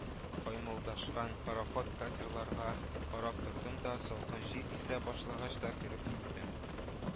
Каймылдашкан пароход-катерларга карап тордым да салкын җил исә башлагач та кереп киттем